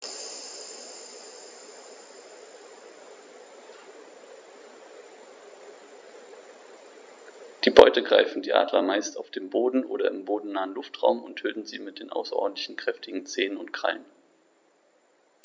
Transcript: Die Beute greifen die Adler meist auf dem Boden oder im bodennahen Luftraum und töten sie mit den außerordentlich kräftigen Zehen und Krallen.